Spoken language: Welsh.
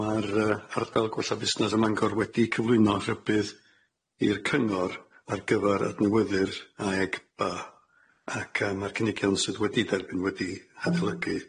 Ma'r yy harddal gwella busnas ym Mangor wedi cyflwyno rhybudd i'r cyngor ar gyfar adnewyddu'r aeg ba ac yym a'r cynigion sydd wedi derbyn wedi adolygu.